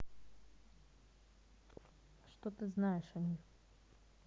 а что ты знаешь о женщинах